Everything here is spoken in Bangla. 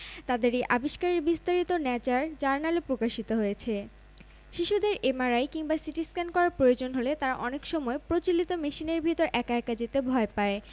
তাদের এই আবিষ্কারের বিস্তারিত ন্যাচার জার্নালে প্রকাশিত হয়েছে শিশুদের এমআরআই কিংবা সিটিস্ক্যান করার প্রয়োজন হলে তারা অনেক সময় প্রচলিত মেশিনের ভেতর একা একা যেতে ভয় পায়